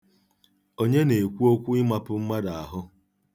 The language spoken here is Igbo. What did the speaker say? Onye na-ekwu okwu ịmapu mmadụ ahụ?